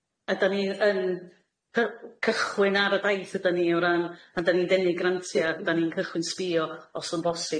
Ydan ni yn cy- cychwyn ar y daith ydan ni, o ran pan 'dan ni'n ddenu grantia', ydan ni'n cychwyn sbio os yn bosib